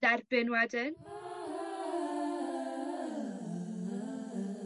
derbyn wedyn.